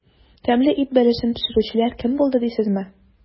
Тәмле ит бәлешен пешерүчеләр кем булды дисезме?